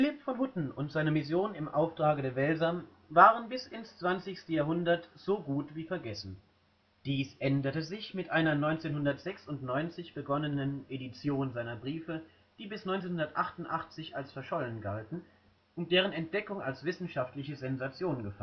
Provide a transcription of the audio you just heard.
von Hutten und seine Mission im Auftrag der Welser waren bis ins zwanzigste Jahrhundert so gut wie vergessen. Dies änderte sich mit einer 1996 begonnenen Edition seiner Briefe, die bis 1988 als verschollen galten und deren Entdeckung als wissenschaftliche Sensation